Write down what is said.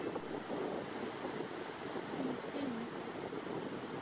мультфильм эпик